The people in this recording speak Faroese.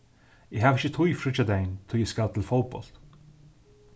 eg havi ikki tíð fríggjadagin tí eg skal til fótbólt